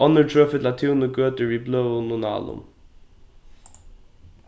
onnur trø fylla tún og gøtur við bløðum og nálum